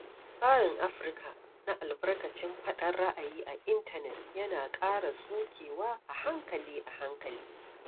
Tsarin Afirka na albarkacin faɗar ra'ayi a intanet yana ƙara tsukewa a hankali a hankali.